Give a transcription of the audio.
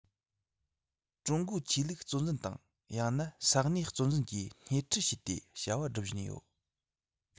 ཀྲུང གོའི ཆོས ལུགས གཙོ འཛིན དང ཡང ན ས གནས གཙོ འཛིན གྱིས སྣེ ཁྲིད བྱས ཏེ བྱ བ སྒྲུབ བཞིན ཡོད